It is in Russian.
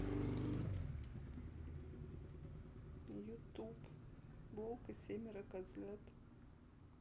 ютуб волк и семеро козлят